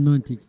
noon tigui